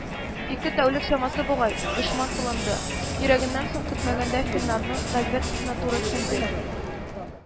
Ике тәүлек чамасы бугай, дошман тылында йөргәннән соң, көтмәгәндә финнарның разведкасына туры килдек